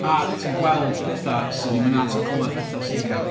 A ti'n gweld pethau sydd ddim yna. Ti'n clywed pethau sydd ddim yna.